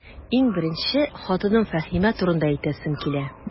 Иң беренче, хатыным Фәһимә турында әйтәсем килә.